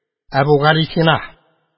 ӘБҮГАЛИСИНА